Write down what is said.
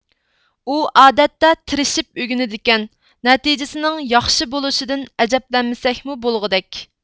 ئۇ ئادەتتە تىرىشىپ ئۆگىنىدىكەن نەتىجىسىنىڭ ياخشى بولۇشىدىن ئەجەبلەنمىسەكمۇ بولغۇدەك